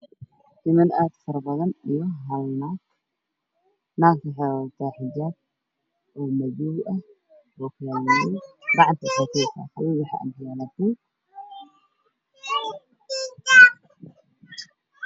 Waa niman meel fadhiyaan waxaa ku jirta cabbaayad madow nimanku waxay wata shaati cadaan fitseeri buluug ah